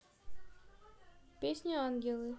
песня ангелы